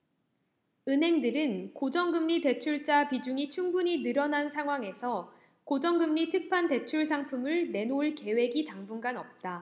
은행들은 고정금리대출자 비중이 충분히 늘어난 상황에서 고정금리 특판 대출상품을 내놓을 계획이 당분간 없다